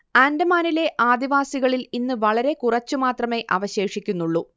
ആൻഡമാനിലെ ആദിവാസികളിൽ ഇന്ന് വളരെക്കുറച്ചുമാത്രമേ അവശേഷിക്കുന്നുള്ളൂ